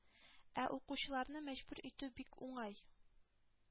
Ә укучыларны мәҗбүр итү бик уңай,